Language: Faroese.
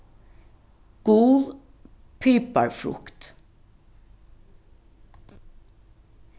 gul piparfrukt